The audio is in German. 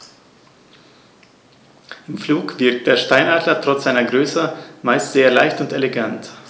Im Flug wirkt der Steinadler trotz seiner Größe meist sehr leicht und elegant.